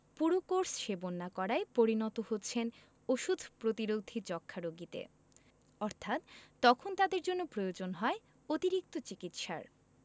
পুরো কোর্স সেবন না করায় পরিণত হচ্ছেন ওষুধ প্রতিরোধী যক্ষ্মা রোগীতে অর্থাৎ তখন তাদের জন্য প্রয়োজন হয় অতিরিক্ত চিকিৎসার